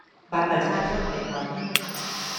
บัตรประชาชนไปถอนเงิน